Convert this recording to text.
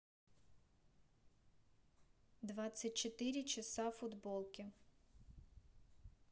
двадцать четыре часа футболке